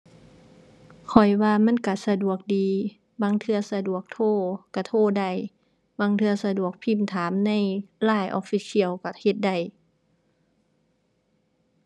ข้อยว่ามันก็สะดวกดี บางเทื่อสะดวกโทรก็โทรได้ บางเทื่อสะดวกพิมพ์ถามใน LINE Official ก็เฮ็ดได้